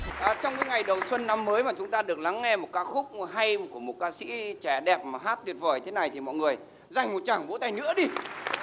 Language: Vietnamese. ờ trong những ngày đầu xuân năm mới mà chúng ta được lắng nghe một ca khúc hay của một ca sĩ trẻ đẹp mà hát tuyệt vời thế này thì mọi người dành một tràng vỗ tay nữa đi